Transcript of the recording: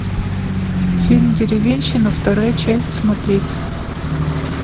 фильм деревенщина вторая часть смотреть